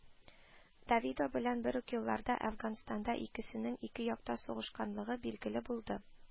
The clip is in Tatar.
Давидо белән бер үк елларда Әфганстанда икесенең ике якта сугышканлыгы билгеле булды